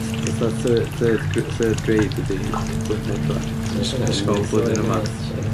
Fatha thir- third gr- third grade ydi blwyddyn pedwar,